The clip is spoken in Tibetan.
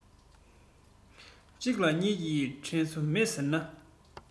གཅིག ལ གཉིས ཀྱི འབྲེལ སོ མེད ཟེར ན